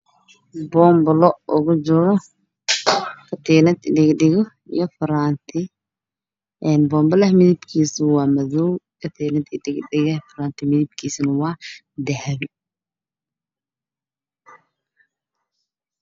Boon balo ugu jiro katiinad faraanti iyo jijin midabkiisuna yahya dahbi